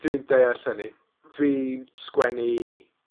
Dwi'n deall hynny. Dwi'n sgwennu